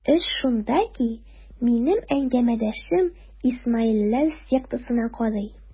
Эш шунда ки, минем әңгәмәдәшем исмаилләр сектасына карый.